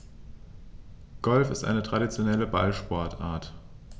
Golf ist eine traditionelle Ballsportart.